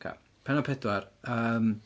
Oce. Pennod pedwar yym